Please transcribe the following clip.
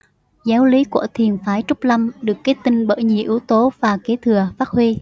giáo lý của thiền phái trúc lâm được kết tinh bởi nhiều yếu tố và kế thừa phát huy